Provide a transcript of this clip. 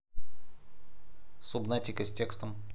субнатика с текстом